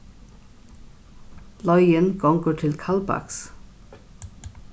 leiðin gongur til kaldbaks